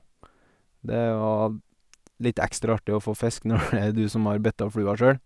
Det var litt ekstra artig å få fisk når det er du som har betta flua sjøl.